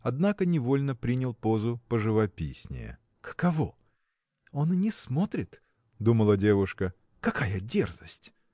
однако невольно принял позу поживописнее. Каково! он и не смотрит! – думала девушка. – Какая дерзость!